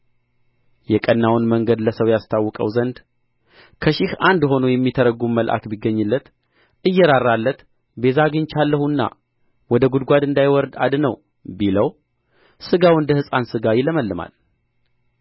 የቀናውን መንገድ ለሰው ያስታውቀው ዘንድ ከሺህ አንድ ሆኖ የሚተረጕም መልአክ ቢገኝለት እየራራለት ቤዛ አግኝቻለሁና ወደ ጕድጓድ እንዳይወርድ አድነው ቢለው ሥጋው እንደ ሕፃን ሥጋ ይለመልማል